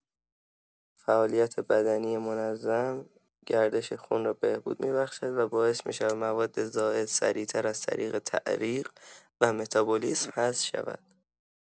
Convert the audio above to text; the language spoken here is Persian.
فعالیت بدنی منظم، گردش خون را بهبود می‌بخشد و باعث می‌شود مواد زائد سریع‌تر از طریق تعریق و متابولیسم حذف شوند.